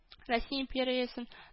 — россия империясен